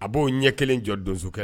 A b'o ɲɛ kelen jɔ donso kɛ